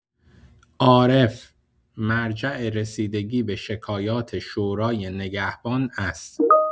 عارف: مرجع رسیدگی به شکایات، شورای نگهبان است!